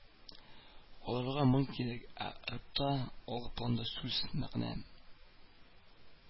Аларга моң кирәк, ә рэпта алгы планда сүз, мәгънә